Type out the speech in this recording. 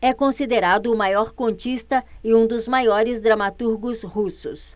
é considerado o maior contista e um dos maiores dramaturgos russos